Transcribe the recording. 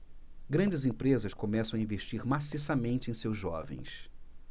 grandes empresas começam a investir maciçamente em seus jovens